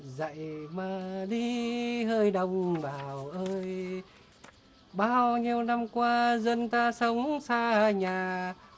dậy mà đi hỡi đồng bào ơi bao nhiêu năm qua dân ta sống xa nhà